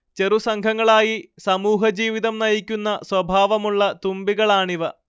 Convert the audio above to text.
ചെറുസംഘങ്ങളായി സമൂഹജീവിതം നയിക്കുന്ന സ്വഭാവമുള്ള തുമ്പികളാണിവ